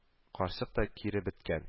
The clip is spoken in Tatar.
Карчык та киребеткән